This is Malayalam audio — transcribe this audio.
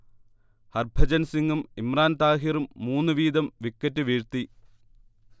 ഹർഭജൻ സിങ്ങും ഇമ്രാൻ താഹിറും മൂന്ന് വീതം വിക്കറ്റ് വീഴ്ത്തി